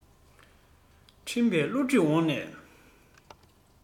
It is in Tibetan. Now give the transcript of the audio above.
འཕྲིན པས བསླུ བྲིད འོག ནས